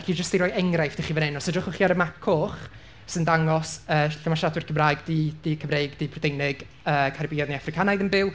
Felly jyst i roi enghraifft i chi fan hyn. Os edrychwch chi ar y map coch sy'n dangos yy lle ma'r siaradwyr Cymraeg, du, du Cymreig, du Prydeinig, yy Caribiaidd neu Africanaidd yn byw.